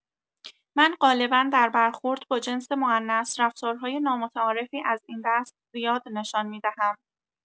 من قالبا در برخورد با جنس مونث رفتارهای نامتعارفی از این دست زیاد نشان می‌دهم.